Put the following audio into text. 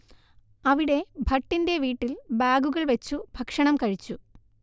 അവിടെ ഭട്ടിന്റെ വീട്ടിൽ ബാഗുകൾ വെയ്ച്ചു ഭക്ഷണം കഴിച്ചു